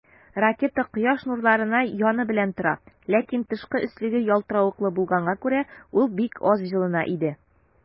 Ракета Кояш нурларына яны белән тора, ләкин тышкы өслеге ялтыравыклы булганга күрә, ул бик аз җылына иде.